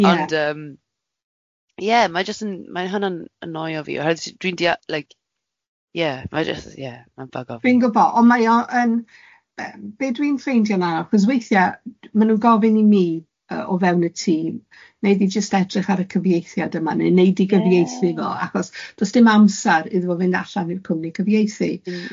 Ie. Ond yym ie mae jyst yn mae hynna'n annoyo fi oherwydd s- dwi'n dia- like ie mae jyst ie mae'n bug o fi. Fi'n gwbo ond mae o'n jyst ymm, be dwi'n ffeindio'n anodd, weithiau ma nhw'n gofyn i ni yy o fewn y tîm, wnei di jyst edrych ar y cyfieithiad yma neu wnei di... Ie. ...gyfieithu fo, achos does dim amser iddo fo fynd allan i'r cwmni cyfieithu. Ie.